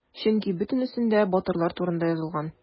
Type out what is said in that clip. Чөнки бөтенесендә батырлар турында язылган.